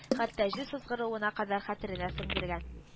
Хәтта җил сызгыруына кадәр хәтеренә сеңдергән